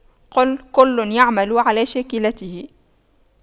قُل كُلٌّ يَعمَلُ عَلَى شَاكِلَتِهِ